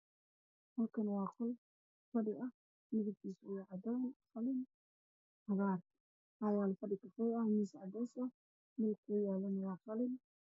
Halkaani waa qol fadhi ah midabkiisa waa cadaan iyo qalin iyo cagaar waxaa yaal fadhi kafay ah miss cadays ah shulkoo yaalana waa qalin.